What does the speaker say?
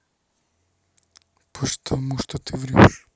потому что ты врешь